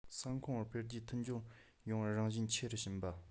ས ཁོངས བར འཕེལ རྒྱས མཐུན སྦྱོར ཡོང བའི རང བཞིན ཆེ རུ ཕྱིན པ